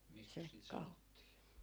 miksikäs sitä sanottiin